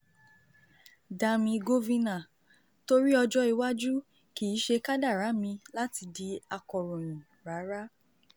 Damy Govina (DG): Torí ọjọ́ iwájú, kìí ṣe kádàrá mi láti di akọ̀ròyìn rárá.